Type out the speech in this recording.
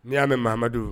N'i y'a mɛn Mamahadu